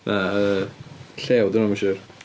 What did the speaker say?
Yy, llew 'di hwnna mae'n siŵr.